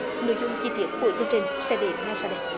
nội dung chi tiết của chương trình sẽ đến ngay sau đây